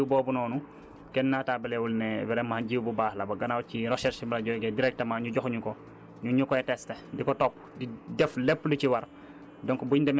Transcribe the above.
donc te jiwu boobu noonu kenn naatablewul ne vraiment jiw bu baax la ba gannaaw ci recherche la jógee directement ñu jox ñu ko ñun ñu koy tester di ko topp di def lépp li ci war